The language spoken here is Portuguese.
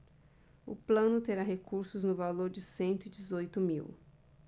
o plano terá recursos no valor de cento e dezoito mil